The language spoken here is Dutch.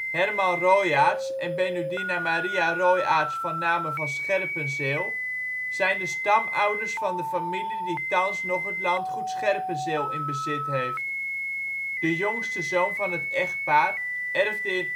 Herman Royaards en Benudina Maria Royaards - van Naamen van Scherpenzeel zijn de stamouders van de familie die thans nog het landgoed Scherpenzeel in bezit heeft. De jongste zoon van het echtpaar erfde in 1898